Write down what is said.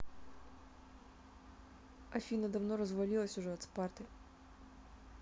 афина давно развалились уже от спарты